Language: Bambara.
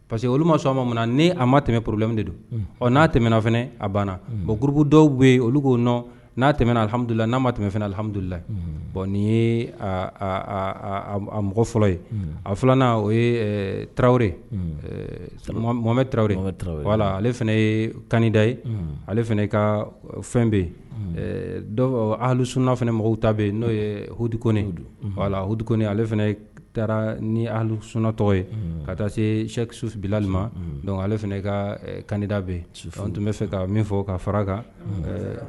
Parce que olu ma sɔnma mun ni a ma tɛmɛ porolɛme de don ɔ n'a tɛmɛɛnana fana a banna bonuruku dɔw bɛ olu ko nɔ n'a tɛmɛna alihamidula n'a ma tɛmɛmɛ fanana alihamidulila bɔn ni ye mɔgɔ fɔlɔ ye a filanan o ye tarawelere mɔ tarawelere ale fana ye kanda ye ale fana e ka fɛn bɛ yen alisona fana mako ta bɛ yen n'o yedik lak ale fana taara ni ali sunona tɔgɔ ye ka taa se sɛsu bilalali ma dɔnku ale fana ka kanda bɛ su fɛn tun bɛ fɛ ka min fɔ ka fara kan